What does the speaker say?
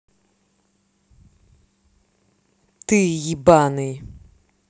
ты ебаный